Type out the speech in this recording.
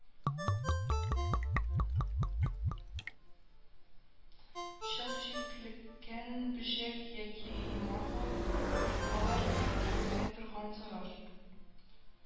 Чак, җитлеккән бөҗәк, яки имаго), алар көкитерә торган зарар